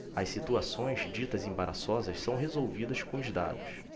as situações ditas embaraçosas são resolvidas com os dados